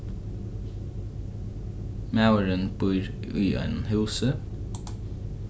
maðurin býr í einum húsi